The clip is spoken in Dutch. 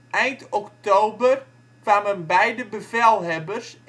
Eind oktober kwamen beide bevelhebbers